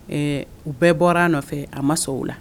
U bɛɛ bɔra nɔfɛ a ma sɔn o la